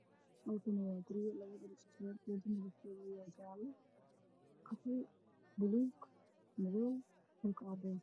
Halkaan waa guryo labo guri oo iska soo horjeeda midabkoodu yahay jaallo qaxwi baluug madow dhulka cadays.